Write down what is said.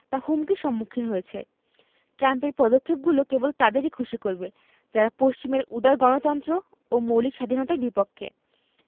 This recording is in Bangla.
তা হুমকির সম্মুখীন হয়েছে ট্রাম্পের পদক্ষেপগুলো কেবল তাদেরই খুশি করবে যারা পশ্চিমের উদার গণতন্ত্র ও মৌলিক স্বাধীনতার বিপক্ষে